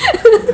hư hứ